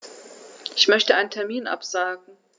Ich möchte einen Termin absagen.